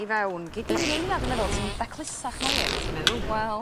I fewn. Gei di neu' hynna dwi meddwl ti'n daclusach na fi. Ti'n meddwl? Wel